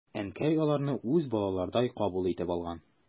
Әнкәй аларны үз балаларыдай кабул итеп алган.